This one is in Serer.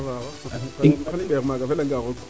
apres i mbeer maaga a fela nga roog